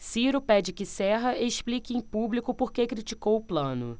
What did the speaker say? ciro pede que serra explique em público por que criticou plano